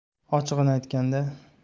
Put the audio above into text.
ochig'ini aytganda